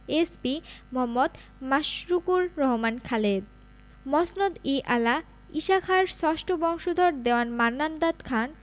SP মো. মাশরুকুর রহমান খালেদ মসনদ ই আলা ঈশাখার ষষ্ঠ বংশধর দেওয়ান মান্নান দাদ খান